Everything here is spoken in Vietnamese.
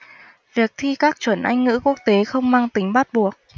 việc thi các chuẩn anh ngữ quốc tế không mang tính bắt buộc